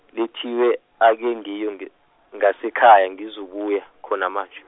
lethiwe ake ngiye ngi- ngasekhaya ngizobuya khona manje.